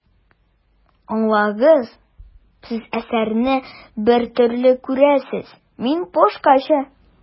Аңлагыз, Сез әсәрне бер төрле күрәсез, мин башкача.